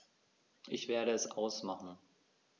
Ich werde es ausmachen